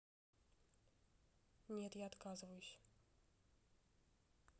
нет я отказываюсь